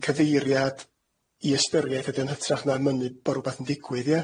cyfeiriad i ystyried ydi o, yn hytrach na mynnu bo' rwbath yn digwydd, ia?